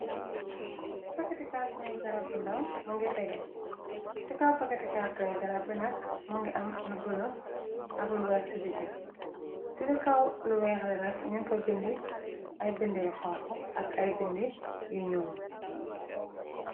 pakati kartoni garabb ndaw më ngi tegeen ci kaw pakati 4artonyi garab bi nakk më ngi am lu bëlo ak lu weex ci digib ci de kaw lu weex di nakk ñun fa bindi ay bind y xonku ak ay bindi yu ñuum